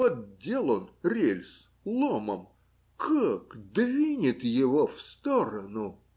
поддел он рельс ломом, как двинет его в сторону.